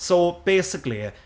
so basically,